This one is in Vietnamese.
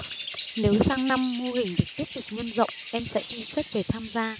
nếu sang năm mô hình được tiếp tục nhân rộng em sẽ thu xếp về tham gia